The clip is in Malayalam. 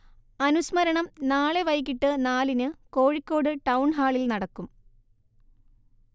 അനുസ്മരണം നാളെ വൈകിട്ട് നാലിന് കോഴിക്കോട് ടൗൺഹാളിൽ നടക്കും